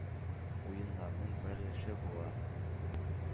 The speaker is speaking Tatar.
“уен”нарның бер өлеше була.